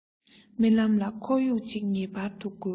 རྨི ལམ ལ ཁོར ཡུག ཅིག ངེས པར དུ དགོས པས